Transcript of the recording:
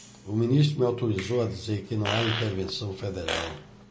o ministro me autorizou a dizer que não há intervenção federal